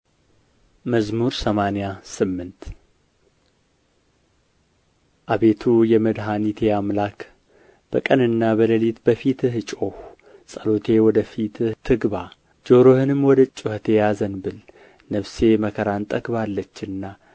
መዝሙር ሰማንያ ሰማንያት አቤቱ የመድኃኒቴ አምላክ በቀንና በሌሊት በፊትህ ጮኽሁ ጸሎቴ ወደ ፊትህ ትግባ ጆሮህንም ወደ ጩኸቴ አዘንብል ነፍሴ መከራን ጠግባለችና